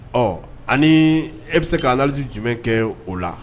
Ɔ ani e bi se ka analise jumɛn kɛ o la?